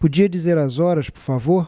podia dizer as horas por favor